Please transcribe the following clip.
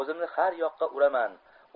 o'zimni har yoqqa uraman